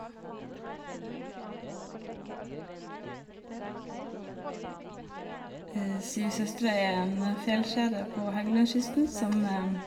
Syv søstre er en fjellkjede på Helgelandskysten som...